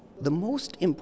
điều